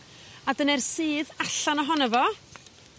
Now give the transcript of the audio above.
A dyne'r sudd allan ohono fo.